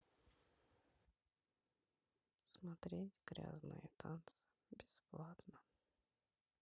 смотреть грязные танцы бесплатно